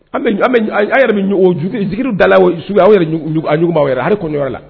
Yɛrɛjj da la aw yɛrɛ jugu'aw yɛrɛ a kɔnyɔrɔ la